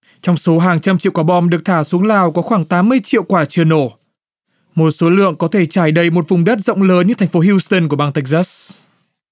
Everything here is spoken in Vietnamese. trong số hàng trăm triệu quả bom được thả xuống lào có khoảng tám mươi triệu quả chưa nổ một số lượng có thể trải đầy một vùng đất rộng lớn như thành phố hiu từn bang tếch dát